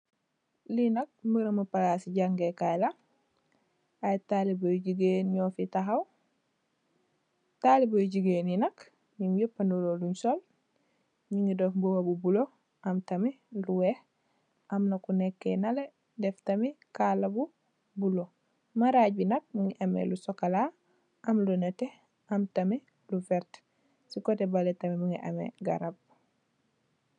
Lii nak, bërëbu palaasi jangee kaay la, ay taalube yu jigéen ñu fi taxaw, taalube yu jigéen yi nak, ñom ñéép, ñoo niroole luñge sol, ñu ngi def mbuba bu bulo, am lu weex, am na ku nekkë nalle, def tamit kaala bu bulo, maraaj bi nak, mu ngi amee lu sokolaa, am lu nétté, am tamit, lu werta, si kotte bale tamit, mu ngi amee, garab.